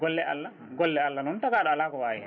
golle Allah golle Allah noon tagaɗo ala ko wawi hen